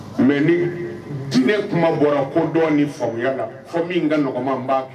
Mɛ ni diinɛ kuma bɔra ko dɔ ni faamuyaya la fo min kama b'a kɛ